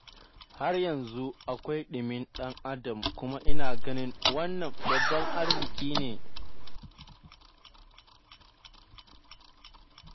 Har yanzu akwai ɗimin ɗan-adam kuma ina ganin wannan babban arziki ne.